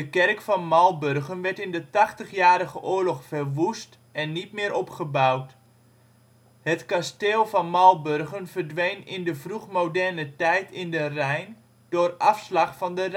kerk van Malburgen werd in de Tachtigjarige Oorlog verwoest en niet meer opgebouwd. Het kasteel van Malburgen verdween in de vroegmoderne tijd in de Rijn door afslag van de